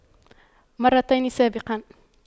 مرتين سابقا